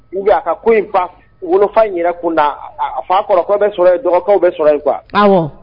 U a ka ko in fa wolofa yɛrɛ kunda a fa kɔrɔkɔ bɛ sɔrɔ dɔgɔkaw bɛ sɔrɔ yen kuwa